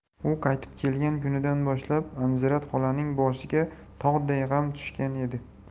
u qaytib kelgan kunidan boshlab anzirat xolaning boshiga tog'day g'am tushgan edi